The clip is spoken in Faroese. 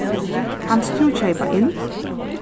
kanst tú keypa inn